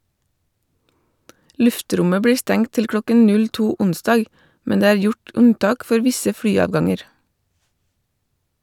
Luftrommet blir stengt til kl. 02 onsdag, men det er gjort unntak for visse flyavganger.